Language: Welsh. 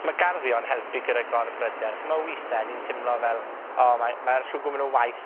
Ma' garddio yn helpu gyda gor-bryder. Ch'mod withe ni'n timlo fel o mae ma'r shw gwmwn o waith,